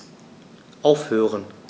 Aufhören.